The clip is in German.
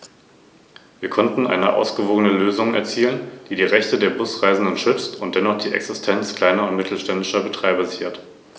Allem voran sollte das neue System der wissenschaftlichen Forschung und der Innovation zu einem Impuls verhelfen.